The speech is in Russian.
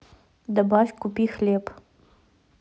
добавь купи хлеб